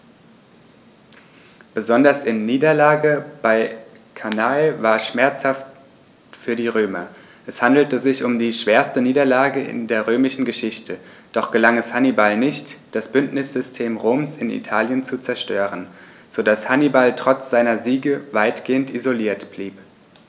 Besonders die Niederlage bei Cannae war schmerzhaft für die Römer: Es handelte sich um die schwerste Niederlage in der römischen Geschichte, doch gelang es Hannibal nicht, das Bündnissystem Roms in Italien zu zerstören, sodass Hannibal trotz seiner Siege weitgehend isoliert blieb.